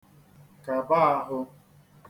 kàba ahụ̄